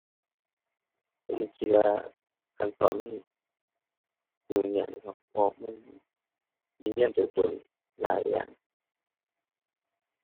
ผมคิดว่า ขั้นตอนมันยุ่งยากอยู่ครับ เพราะมันยืนยันตัวตนหลายอย่าง